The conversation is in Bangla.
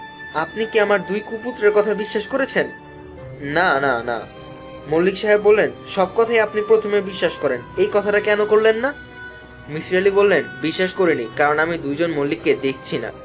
আপনি কি আমার দুই কুপুত্রের কথা বিশ্বাস করেছেন না মল্লিক সাহেব বললেন সব কথাই আপনি প্রথমে বিশ্বাস করেন এই কথাটা কেন করলেন না মিসির আলী বললেন বিশ্বাস করিনি কারণ আমি দুইজন মল্লিককে দেখছি না